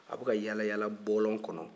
a bɛ yaala-yaala bɔlɔn kɔnɔ